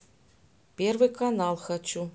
первый канал хочу